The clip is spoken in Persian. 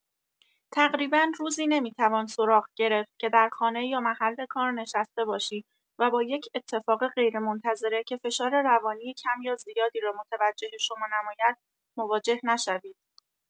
تقریبا روزی نمی‌توان سراغ گرفت که در خانه یا محل کار نشسته باشی و با یک اتفاق غیرمنتظره که فشار روانی کم یا زیادی را متوجه شما نماید، مواجه نشوید.